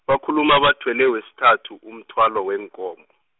bakhuluma bathwele wesithathu umthwalo weenkomo.